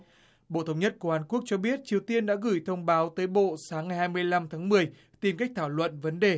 bộ thống nhất của hàn quốc cho biết triều tiên đã gửi thông báo tới bộ sáng ngày hai mươi lăm tháng mười tìm cách thảo luận vấn đề